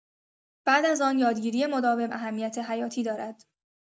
بعد از آن، یادگیری مداوم اهمیت حیاتی دارد.